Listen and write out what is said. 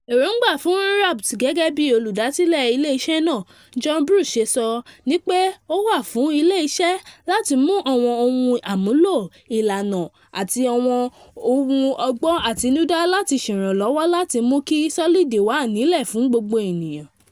Èròńgbà fún Inrupt, gẹ́gẹ́bí Olùdásílẹ̀ ilé iṣẹ́ náà John Bruce ṣe sọ, ni pé ó wá fún ilé iṣẹ̀ láti mú àwọn ohun àmúlò, ìlànà àti àwọn ọgbọ́n àtinúdá láti ṣèrànwọ́ láti mú kí Solid wà nílẹ̀ fún gbogbo ènìyàn.